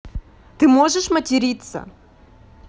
ты можешь материться